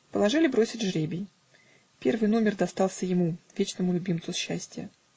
Положили бросить жребий: первый нумер достался ему, вечному любимцу счастия.